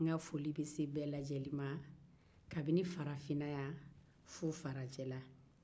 n ka foli bɛ se bɛɛ lajɛlen ma kabini farafinna fɔ farajɛla